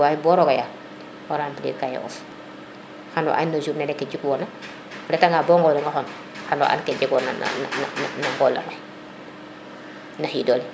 bo roga yaar o remlir cahier of xano an journée ke jikwona o reta nga bo ŋolo ŋe xon xano an ko jegona na na ŋolo nge no xido le